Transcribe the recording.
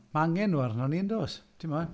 Ma' angen nhw arno ni yn does, timod?